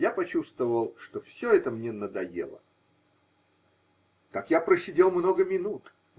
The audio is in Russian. Я почувствовал, что все это мне надоело. Так я просидел много минут